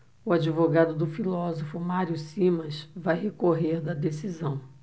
o advogado do filósofo mário simas vai recorrer da decisão